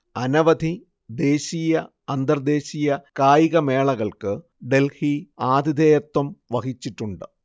അനവധി ദേശീയ അന്തർദേശീയ കായികമേളകൾക്ക് ഡെൽഹി ആതിഥേയത്വം വഹിച്ചിട്ടുണ്ട്